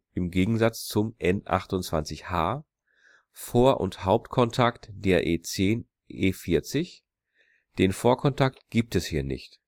im Gegensatz zum N28h, Vor - und Hauptkontakt der E 40/E 10; den Vorkontakt gibt es hier nicht